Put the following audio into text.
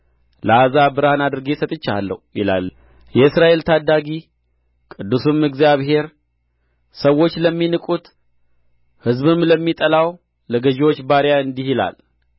ለአሕዛብ ብርሃን አድርጌ ሰጥቼሃለሁ ይላል የእስራኤል ታዳጊ ቅዱሱም እግዚአብሔር ሰዎች ለሚንቁት ሕዝብም ለሚጠላው ለገዥዎች ባሪያ እንዲህ ይላል